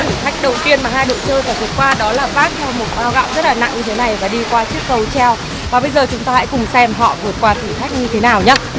thử thách đầu tiên mà hai đội chơi phải vượt qua đó là vác theo một bao gạo rất là nặng như thế này và đi qua chiếc cầu treo và bây giờ chúng ta hãy cùng xem họ vượt qua thử thách như thế nào nhá